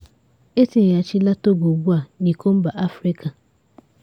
E tinyeghachila Togo ugbu a n'Iko Mba Africa.